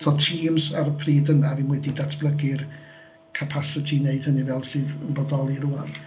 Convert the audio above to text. Doedd Teams ar y pryd yna ddim wedi datblygu'r capasiti i wneud hynny fel sydd yn bodoli rwan.